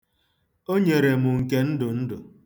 O nyere m nke ndụndụ.